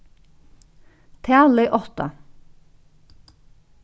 talið átta